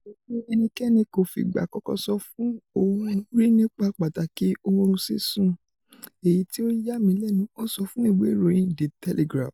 Ó sọ pé ẹnikéni kò fìgbà kankan sọ fún ohun rí nípa pàtàki oorun sísùn - èyití ó yàmí lẹ́nu,' ó sọ fún ìwé ìròyìn The Telegraph.